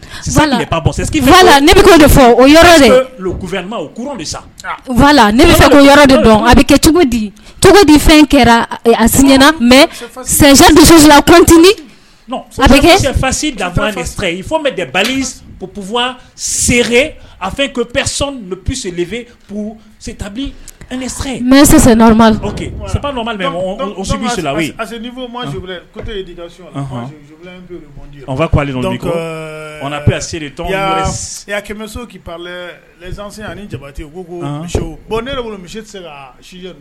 Fɛn kɛrap a